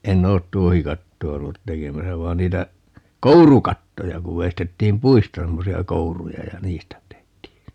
en ole tuohikattoa ollut tekemässä vaan niitä kourukattoja kun veistettiin puista semmoisia kouruja ja niistä tehtiin